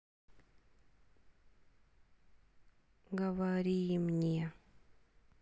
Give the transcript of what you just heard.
говори мне